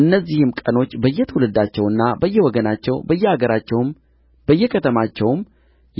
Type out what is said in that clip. እነዚህም ቀኖች በየትውልዳቸውና በየወገናቸው በየአገራቸውም በየከተማቸውም